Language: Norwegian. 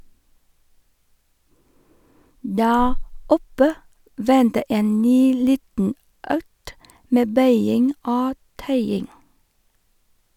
Der oppe venter en ny liten økt med bøying og tøying.